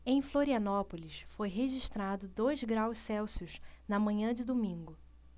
em florianópolis foi registrado dois graus celsius na manhã de domingo